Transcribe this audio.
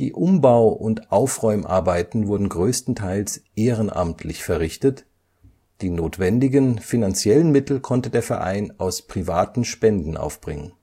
Umbau - und Aufräumarbeiten wurden größtenteils ehrenamtlich verrichtet, die notwendigen finanziellen Mittel konnte der Verein aus privaten Spenden aufbringen